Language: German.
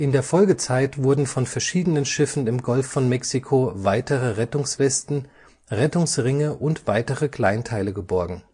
der Folgezeit wurden von verschiedenen Schiffen im Golf von Mexiko weitere Rettungswesten, Rettungsringe und weitere Kleinteile geborgen